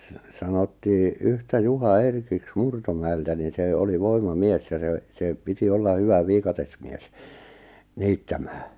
sanottiin yhtä Juha Erkiksi Murtomäeltä niin se oli voimamies ja se se piti olla hyvä viikatemies niittämään